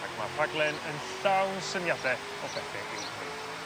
Ac ma'r rhaglen yn llawn syniade o bethe i'w gwneud.